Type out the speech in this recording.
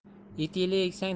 it yili eksang